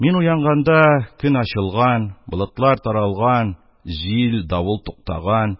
Мин уянганда, көн ачылган, болытлар таралган, җил, давыл туктаган,